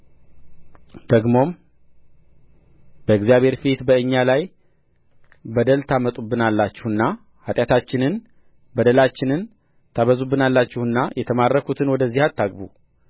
ደግሞም በእግዚአብሔር ፊት በእኛ ላይ በደል ታመጡብናላችሁና ኃጢያታችንንና በደላችንን ታበዙብናላችሁና የተማረኩትን ወደዚህ አታግቡ